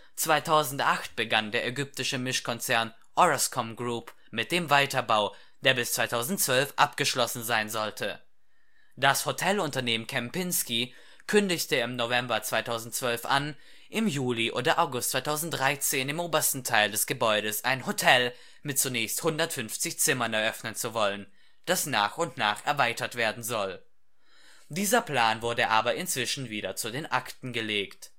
2008 begann der ägyptische Mischkonzern Orascom Group mit dem Weiterbau, der bis 2012 abgeschlossen sein sollte. Das Hotel-Unternehmen Kempinski kündigte im November 2012 an, im Juli oder August 2013 im obersten Teil des Gebäudes ein Hotel mit zunächst 150 Zimmern eröffnen zu wollen, das nach und nach erweitert werden soll. Dieser Plan wurde aber inzwischen wieder zu den Akten gelegt